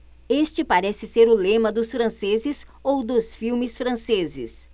este parece ser o lema dos franceses ou dos filmes franceses